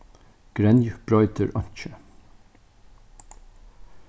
grenj broytir einki